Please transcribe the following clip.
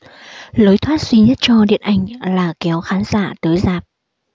lối thoát duy nhất cho điện ảnh là kéo khán giả tới rạp